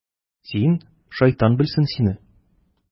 Син, шайтан белсен сине...